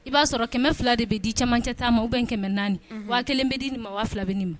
I b'a sɔrɔ kɛmɛ fila de bɛ di camancɛta ma ou bien kɛmɛ naani, unhun, wa kelen bɛ di nin ma wa fila bɛ nin ma